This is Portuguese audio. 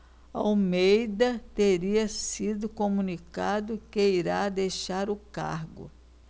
almeida teria sido comunicado que irá deixar o cargo